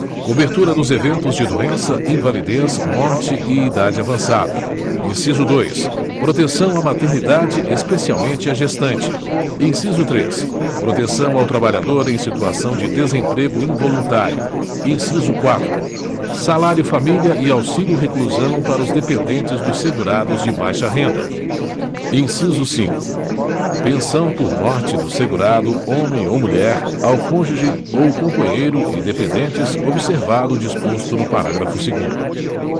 cobertura dos eventos de doença invalidez morte e idade avançada inciso dois proteção à maternidade especialmente à gestante inciso três proteção ao trabalhador em situação de desemprego involuntário inciso quatro salário família e auxílio reclusão para os dependentes dos segurados de baixa renda inciso cinco pensão por morte do segurado homem ou mulher ao cônjuge ou companheiro e dependentes observado o disposto no parágrafo segundo